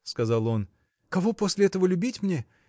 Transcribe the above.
– сказал он, – кого после этого любить мне?